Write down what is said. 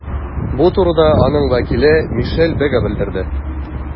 Бу турыда аның вәкиле Мишель Бега белдерде.